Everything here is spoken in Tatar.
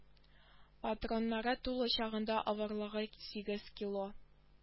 Патроннары тулы чагында авырлыгы сигез кило